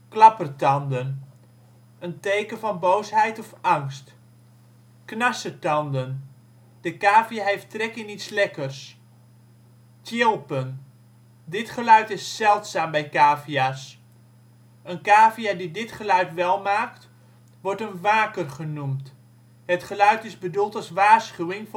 Een teken van boosheid of angst. Knarsetanden. De cavia heeft trek in iets lekkers. Tjilpen. Dit geluid is zeldzaam bij cavia 's. Een cavia die dit geluid wel maakt wordt een waker genoemd. Het geluid is bedoeld als waarschuwing